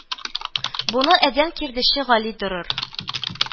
Буны әдән Кирдече Гали дорыр